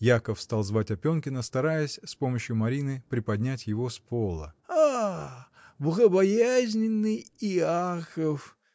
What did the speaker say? Яков стал звать Опенкина, стараясь, с помощью Марины, приподнять его с пола. богобоязненный Иаков!